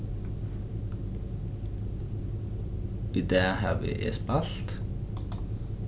í dag havi eg spælt